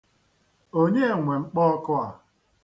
Onye nwe mkpọọkụ a.